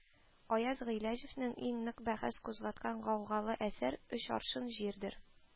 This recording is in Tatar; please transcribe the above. Аяз Гыйләҗевнең иң нык бәхәс кузгаткан гаугалы әсәре «Өч аршын җир»дер,